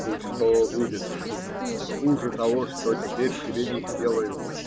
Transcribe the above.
"Будь что будет, - думает,- хуже того, что теперь, себе не сделаю